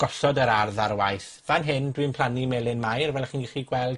gosod yr ardd ar waith. Fan hyn, dwi'n plannu Melyn Mair fel 'ych chi'n gellu gweld,